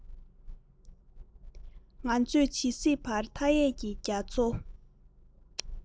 ང ཚོས ཇི སྲིད བར མཐའ ཡས ཀྱི རྒྱ མཚོ